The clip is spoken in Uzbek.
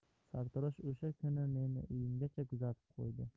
sartarosh o'sha kuni meni uyimgacha kuzatib qo'ydi